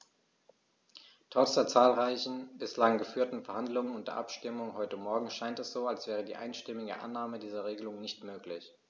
Trotz der zahlreichen bislang geführten Verhandlungen und der Abstimmung heute Morgen scheint es so, als wäre die einstimmige Annahme dieser Regelung nicht möglich.